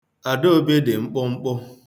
Adaobi dị mkpụmkpụ.